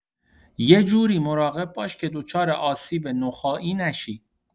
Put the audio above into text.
یه جوری مراقب باش که دچار آسیب نخاعی نشی.